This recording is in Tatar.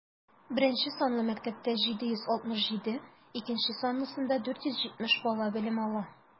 Беренче санлы мәктәптә - 767, икенче санлысында 470 бала белем ала.